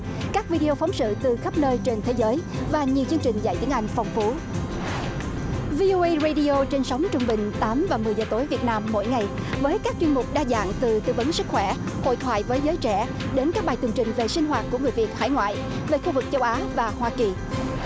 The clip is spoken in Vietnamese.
các vi đi ô phóng sự từ khắp nơi trên thế giới và nhiều chương trình dạy tiếng anh phong phú vi ô ây rây đi ô trên sóng trung bình tám và mười giờ tối việt nam mỗi ngày với các chuyên mục đa dạng từ tư vấn sức khỏe hội thoại với giới trẻ đến các bài tường trình về sinh hoạt của người việt hải ngoại về khu vực châu á và hoa kỳ